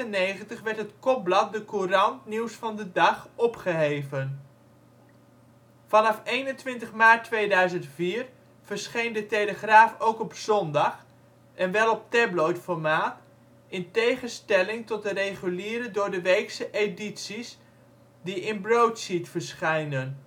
1998 werd het kopblad De Courant/Nieuws van de Dag opgeheven. Vanaf 21 maart 2004 verscheen De Telegraaf ook op zondag, en wel op tabloid-formaat, in tegenstelling tot de reguliere doordeweekse edities, die in broadsheet verschijnen